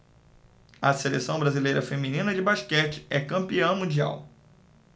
a seleção brasileira feminina de basquete é campeã mundial